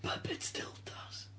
Puppets dildos